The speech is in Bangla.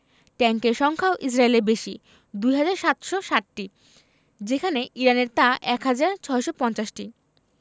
ট্যাংকের সংখ্যাও ইসরায়েলের বেশি ২ হাজার ৭৬০টি যেখানে ইরানের তা ১ হাজার ৬৫০টি